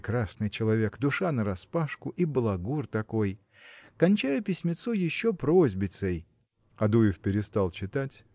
прекрасный человек – душа нараспашку, и балагур такой. Кончаю письмецо еще просьбицей. Адуев перестал читать